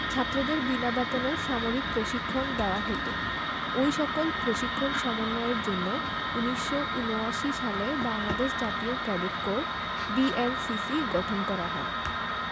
ছাত্রদের বিনা বেতনে সামরিক প্রশিক্ষণ দেওয়া হতো ওই সকল প্রশিক্ষণ সমন্বয়ের জন্য ১৯৭৯ সালে বাংলাদেশ জাতীয় ক্যাডেট কোর বিএনসিসি গঠন করা হয়